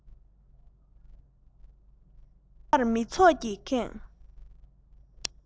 གང སར མི ཚོགས ཀྱིས ཁེངས